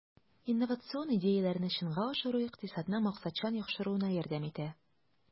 Инновацион идеяләрне чынга ашыру икътисадның максатчан яхшыруына ярдәм итә.